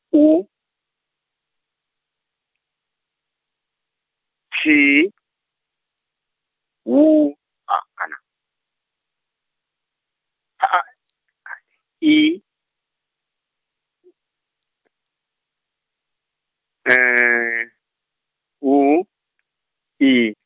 U, T, W a kana, I, W I.